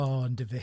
O, yndy fi.